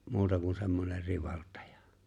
muuta kuin semmoinen rivaltaja